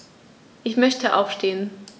Ich möchte aufstehen.